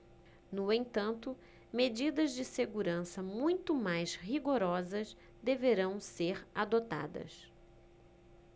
no entanto medidas de segurança muito mais rigorosas deverão ser adotadas